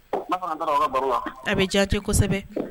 A bɛ diya kosɛbɛ